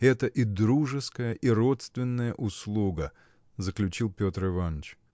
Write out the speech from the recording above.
Это – и дружеская и родственная услуга! – заключил Петр Иваныч.